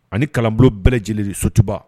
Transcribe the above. Ani kalanbulon bɛɛ lajɛlen de sotuba